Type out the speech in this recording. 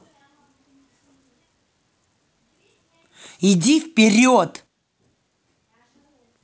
иди вперед